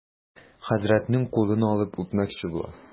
Хәзрәтнең кулын алып үпмәкче була.